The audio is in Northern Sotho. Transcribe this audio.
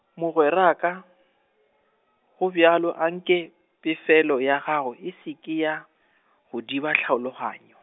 mogweraka, gobjalo anke, pefelo ya gago e se ke ya, go diba tlhaloganyo.